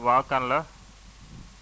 waaw kan la